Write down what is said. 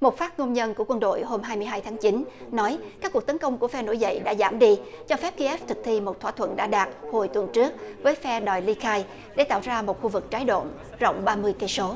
một phát ngôn nhân của quân đội hôm hai mươi hai tháng chín nói các cuộc tấn công của phe nổi dậy đã giảm đi cho phép ki ép thực thi một thỏa thuận đã đạt hồi tuần trước với phe đòi ly khai để tạo ra một khu vực trái độ rộng ba mươi cây số